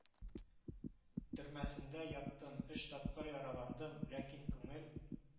Төрмәсендә яттым, өч тапкыр яраландым, ләкин күңел